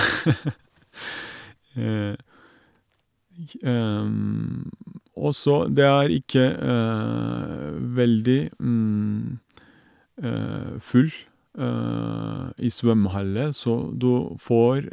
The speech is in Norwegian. j Og så det er ikke veldig full i svømmehallen, så du får...